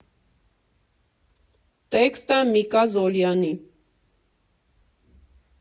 Տեքստը՝ Միկա Զոլյանի։